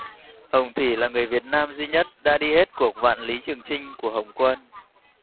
hồng thủy là người việt nam duy nhất đã đi hết cuộc vạn lý trường chinh của hồng quân